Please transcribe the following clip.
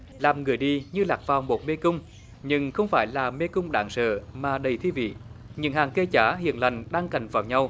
làm người đi như lạc vào một mê cung nhưng không phải là mê cung đáng sợ mà đầy thi vị những hàng cây cả hiền lành đang cần vào nhau